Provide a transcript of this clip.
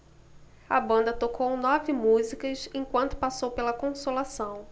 a banda tocou nove músicas enquanto passou pela consolação